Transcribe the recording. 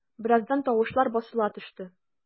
Бераздан тавышлар басыла төште.